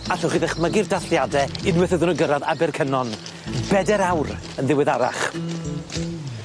Allwch chi ddychmygu'r dathliade unweth iddyn nw gyrradd Abercynon, beder awr yn ddiweddarach.